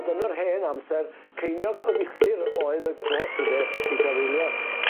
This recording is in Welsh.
Ond yn yr hen amser ceiniog y filltir oedd y gost ynde i trafeilio